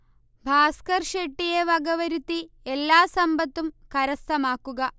ഭാസ്ക്കർ ഷെട്ടിയെ വക വരുത്തി എല്ലാ സമ്പത്തും കര്സഥമാക്കുക